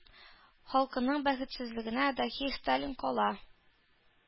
Халкының бәхетсезлегенә, “даһи” сталин кала.